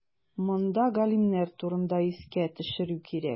Монда галимнәр турында искә төшерү кирәк.